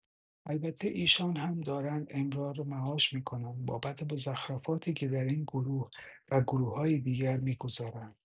البته ایشان هم دارند امرارمعاش می‌کنند بابت مزخرفاتی که در این گروه و گروه‌های دیگر می‌گذارند.